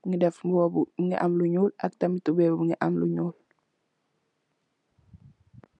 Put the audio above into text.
mongi def mbuba mongi am tam lu nuul ak tam tubai tam mongi am lu nuul.